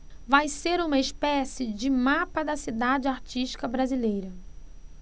vai ser uma espécie de mapa da cidade artística brasileira